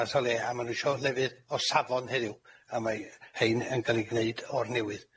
A ma' nw isio lefydd o safon heddiw a mae hein yn ga'l i gneud o'r newydd.